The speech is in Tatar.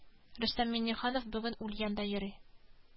Чара Халыкара өлкәннәр көненә багышлап уздырыла.